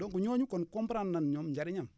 donc ñooñu kon comprendre nañ ñoom njëriñam